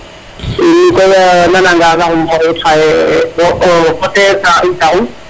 mi koy nana nga sax im xoyit xaye wo fo taxu